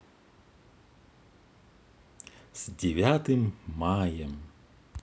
с девятым маем